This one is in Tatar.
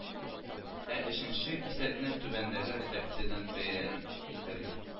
А өченче кисәкне түбәндәге редакциядә бәян итәргә: